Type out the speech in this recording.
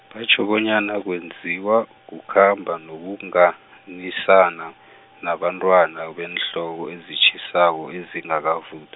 batjho bonyana wenziwa, kukhamba nokunganisana nabantwana beenhloko ezitjhisako ezingakavuth-.